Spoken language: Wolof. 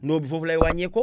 non bi foofu lay wàññeekoo